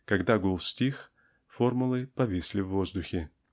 Когда гул стих, формулы повисли в воздухе.